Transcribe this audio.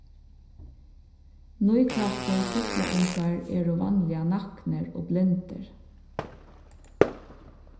nýklaktir fuglaungar eru vanliga naknir og blindir